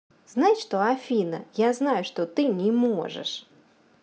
знаешь что афина я знаю что ты не можешь